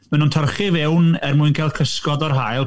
Maen nhw'n tyrchu fewn er mwyn cael cysgod o'r haul.